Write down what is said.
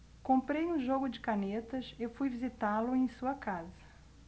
comprei um jogo de canetas e fui visitá-lo em sua casa